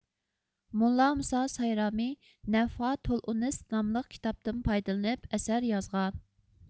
موللا مۇسا سايرامى نەفھاتۇلئۇنىس ناملىق كىتابتىن پايدىلىنىپ ئەسەر يازغان